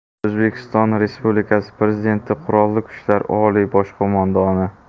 o'zbekiston respublikasi prezidenti qurolli kuchlar oliy bosh qo'mondoni